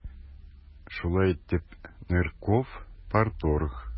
Шулай итеп, Нырков - парторг.